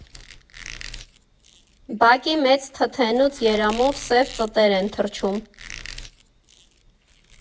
Բակի մեծ թթենուց երամով սև ծտեր են թռչում։